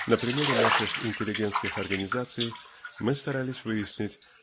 На примере наших интеллигентских организаций мы старались выяснить